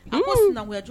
A' najɔ